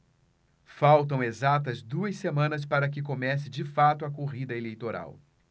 faltam exatas duas semanas para que comece de fato a corrida eleitoral